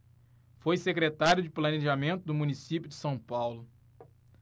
foi secretário de planejamento do município de são paulo